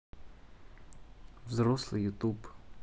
взрослый ютуб